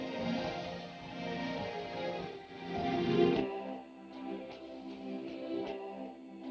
music